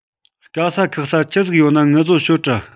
དཀའ ས ཁག ས ཆི ཟིག ཡོད ན ངུ བཟོ ཤོད དྲ